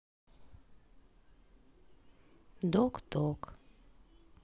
док ток